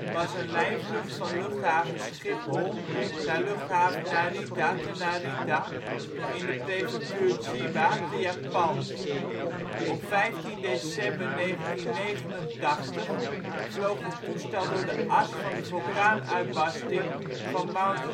was een lijnvlucht van Luchthaven Schiphol naar Luchthaven Narita te Narita in de prefectuur Chiba te Japan. Op 15 december 1989 vloog het toestel door de as van de vulkaanuitbarsting van Mount